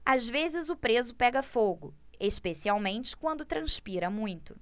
às vezes o preso pega fogo especialmente quando transpira muito